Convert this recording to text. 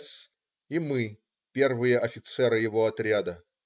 С. и мы, первые офицеры его отряда.